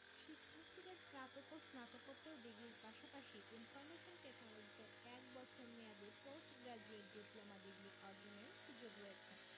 শিক্ষার্থীদের স্নাতক ও স্নাতকোত্তর ডিগ্রির পাশাপাশি ইনফরমেশন টেকনোলজিতে এক বছর মেয়াদি পোস্ট গ্রাজুয়েট ডিপ্লোমা ডিগ্রি অর্জনের সুযোগ রয়েছে